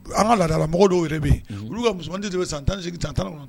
An ka laadalamɔgɔ dɔw yɛrɛ bɛ yen, olu ka musomaniw tɛ tɛmɛ san 18 san,19